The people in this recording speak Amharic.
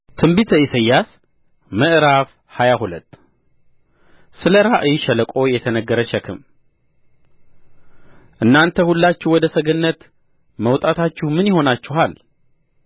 ትንቢተ ኢሳይያስ ምዕራፍ ሃያ ሁለት ስለ ራእይ ሸለቆ የተነገረ ሸክም እናንተ ሁላችሁ ወደ ሰገነት መውጣታቸሁ ምን ሆናችኋል